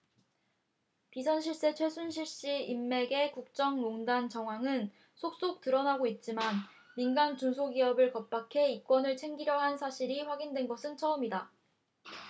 비선 실세 최순실씨 인맥의 국정농단 정황은 속속 드러나고 있지만 민간 중소기업을 겁박해 이권을 챙기려 한 사실이 확인된 것은 처음이다